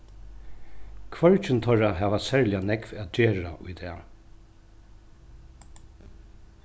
hvørgin teirra hava serliga nógv at gera í dag